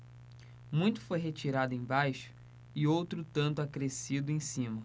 muito foi retirado embaixo e outro tanto acrescido em cima